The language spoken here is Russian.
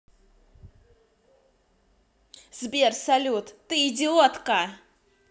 сбер салют ты идиотка